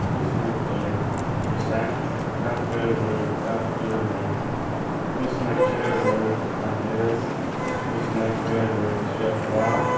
hvussu nógv er prosent hvat verður hvat blívur hvussu nógv gevur parantes hvussu nógv verður draga frá